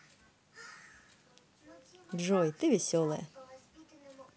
джой ты веселая